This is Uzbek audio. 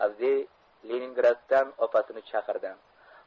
avdiy leningraddan opasini chaqirdi